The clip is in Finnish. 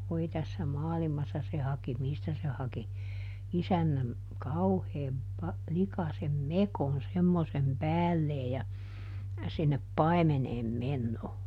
voi tässä maailmassa se haki mistä se haki isännän kauhean - likaisen mekon semmoisen päälleen ja sinne paimeneen menoon